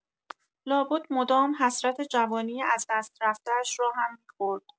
لابد مدام حسرت جوانی از دست رفته‌اش را هم می‌خورد.